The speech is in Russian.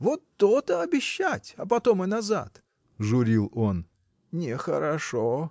Вот то-то, обещать, а потом и назад! — журил он, — нехорошо.